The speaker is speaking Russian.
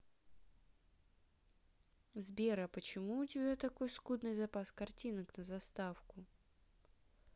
сбер а почему у тебя такой скудный запас картинок на заставку